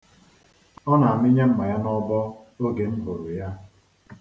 Ọ na-amịnye mma ya n'ọbọ, oge m hụrụ ya.